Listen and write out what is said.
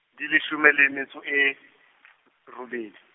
di leshome le metso e , robedi.